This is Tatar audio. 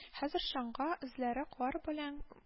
Хәзер чаңга эзләре кар белән